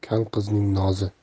kal qizning nozi